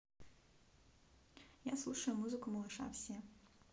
я слушаю музыку малыша все